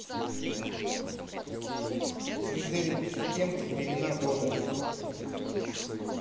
фредерик кемп времена года